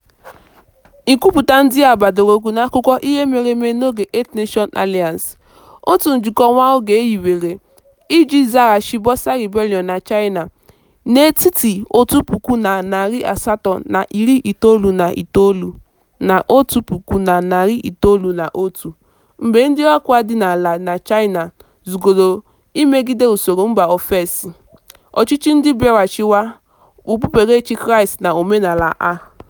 Nkwupụta ndị a gbadoroụkwụ n'akụkọ ihe mere eme n'oge Eight-Nation Alliance, òtù njikọ nwa oge e hiwere iji zaghachi Boxer Rebellion na China n'etiti 1899 na 1901 mgbe ndị ọkwá dị ala na China guzoro ịmegide usoro mba ofesi, ọchịchị ndị mbịarachiwa, okpukperechi Kraịst na omenala ha.